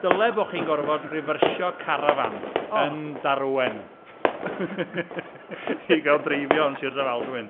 Dyle bo' chi'n gorfod rifyrsio carafán... o! ...yn Darwen i gael dreifio yn Sir Drefaldwyn.